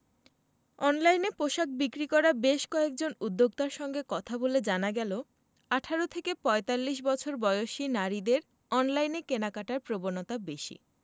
অনলাইনে পোশাক বিক্রি করা বেশ কয়েকজন উদ্যোক্তার সঙ্গে কথা বলে জানা গেল ১৮ থেকে ৪৫ বছর বয়সী নারীদের অনলাইনে কেনাকাটার প্রবণতা বেশি